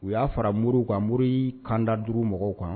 U y'a fara muru kan muru y'i kanda duuru mɔgɔw kan